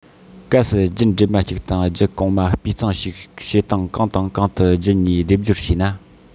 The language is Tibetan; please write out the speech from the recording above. གལ སྲིད རྒྱུད འདྲེས མ གཅིག དང རྒྱུད གོང མ སྤུས གཙང ཞིག བྱེད སྟངས གང དང གང དུ རྒྱུད གཉིས སྡེབ སྦྱོར བྱས ན